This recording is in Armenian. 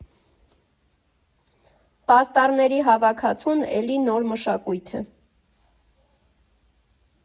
Պաստառների հավաքածուն էլի նոր մշակույթ է։